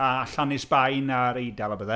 A allan i Sbaen a'r Eidal a pethe.